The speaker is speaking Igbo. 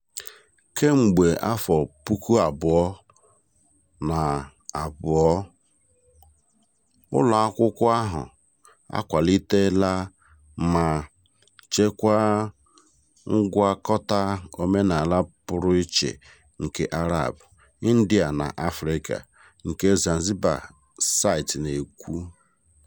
Kemgbe 2002, ụlọakwụkwọ ahụ akwaliteela ma chekwaa ngwakọta omenala pụrụ iche nke Arab, India na Afịrịka nke Zanzibar site n'egwu.